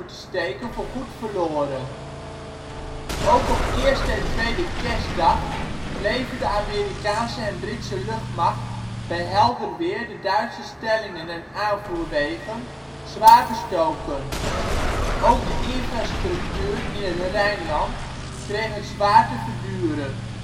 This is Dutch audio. steken voorgoed verloren. Ook op eerste en tweede kerstdag bleven de Amerikaanse en Britse luchtmacht bij helder weer de Duitse stellingen en aanvoerwegen zwaar bestoken. Ook de infrastructuur in het Rijnland kreeg het zwaar te verduren